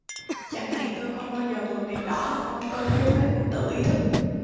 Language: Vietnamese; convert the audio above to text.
chẳng hạn tôi không bao giờ vượt đèn đỏ con tôi thấy thế cũng tự ý thức